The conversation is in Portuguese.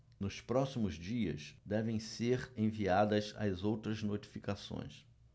nos próximos dias devem ser enviadas as outras notificações